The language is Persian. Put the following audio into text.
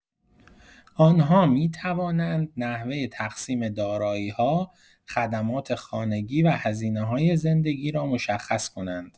آن‌ها می‌توانند نحوه تقسیم دارایی‌ها، خدمات خانگی و هزینه‌های زندگی را مشخص کنند.